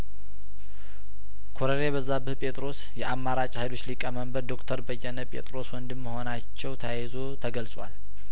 ኮሎኔል በዛብህ ጴጥሮስ የአማራጭ ሀይሎች ሊቀመንበር ዶክተር በየነ ጴጥሮስ ወንድም መሆናቸው ተያይዞ ተገልጿል